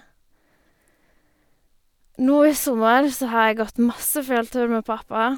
Nå i sommer så har jeg gått masse fjelltur med pappa.